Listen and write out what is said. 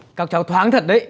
các cháu thoáng thật đấy